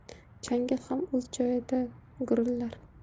changal ham o'z joyida gurillar